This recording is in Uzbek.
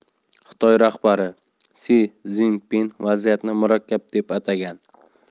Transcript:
xitoy rahbari si szinpin vaziyatni murakkab deb atagan